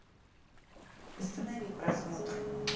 сбер останови просмотр